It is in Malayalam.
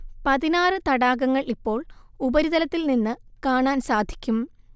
പതിനാറ് തടാകങ്ങൾ ഇപ്പോൾ ഉപരിതലത്തിൽ നിന്ന് കാണാൻ സാധിക്കും